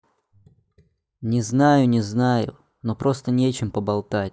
не знаю не знаю но просто нечем поболтать